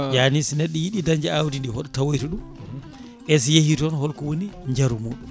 yaani so neɗɗo yiiɗi dañje awdi ndi hoɗo tawoyta ɗum e so yeehi toon holko woni jaaru muɗum